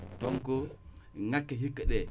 donc